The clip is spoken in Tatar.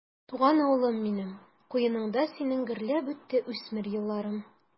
Туган авылым минем, куеныңда синең гөрләп үтте үсмер елларым.